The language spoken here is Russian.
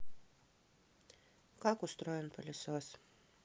как устроен пылесос